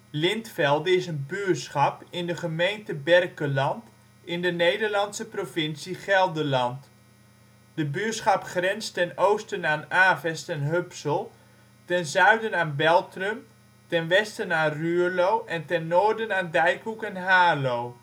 Lintvelde is een buurschap in de gemeente Berkelland, in de Nederlandse provincie Gelderland. De buurschap grenst ten oosten aan Avest en Hupsel, ten zuiden aan Beltrum, ten westen aan Ruurlo en ten noorden aan Dijkhoek en Haarlo